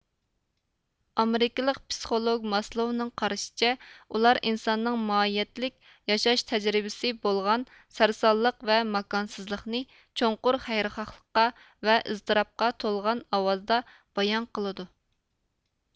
ئامېرىكىلىق پسىخولوگ ماسلوۋنىڭ قارىشىچە ئۇلار ئىنساننىڭ ماھىيەتلىك ياشاش تەجرىبىسى بولغان سەرسانلىق ۋە ماكانسىزلىقنى چوڭقۇر خەيرىخاھلىققا ۋە ئىزتىراپقا تولغان ئاۋازدا بايان قىلىدۇ